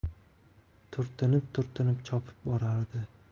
turtinib turtinib chopib borardi